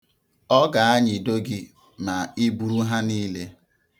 Ọ ga-anyịdo gị ma i buru ha niile.